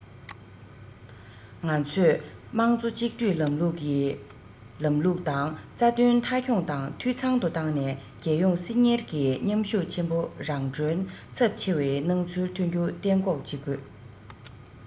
ང ཚོས དམངས གཙོ གཅིག སྡུད ལམ ལུགས ཀྱི ལམ ལུགས དང རྩ དོན མཐའ འཁྱོངས དང འཐུས ཚང དུ བཏང ནས རྒྱལ སྐྱོང སྲིད གཉེར གྱི མཉམ ཤུགས ཆེན པོ རང གྲོན ཚབས ཆེ བའི སྣང ཚུལ ཐོན རྒྱུ གཏན འགོག བྱེད དགོས